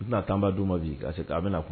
U tɛna tanba d ma bi ka se k a bɛna kuma